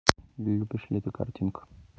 любишь ли ты картинг